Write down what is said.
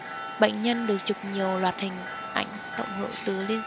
bệnh nhân được chụp nhiều loạt hình ảnh cộng hưởng từ liên